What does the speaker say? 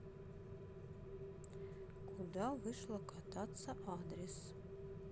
куда вышло кататься андрес